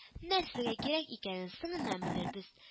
Нәрсәгә кирәк икәнен соңыннан белербез